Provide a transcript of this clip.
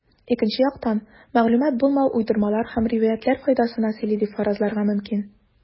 Икенче яктан, мәгълүмат булмау уйдырмалар һәм риваятьләр файдасына сөйли дип фаразларга мөмкин.